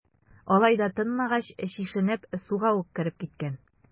Алай да тынмагач, чишенеп, суга ук кереп киткән.